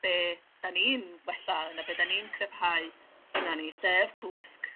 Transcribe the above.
be 'dan ni'n wella ne' be' 'dan ni'n cryfhau ynan ni sef cwsg.